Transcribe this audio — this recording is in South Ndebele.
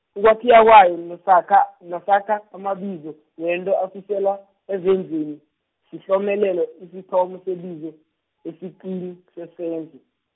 ukwakhiwa kwawo nasakha, nasakha amabizo, wento, asuselwa ezenzweni, sihlomelelo, isithomo sebizo, esiqwini, sesenzo.